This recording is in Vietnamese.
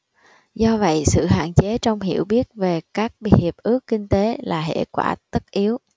do vậy sự hạn chế trong hiểu biết về các hiệp ước kinh tế là hệ quả tất yếu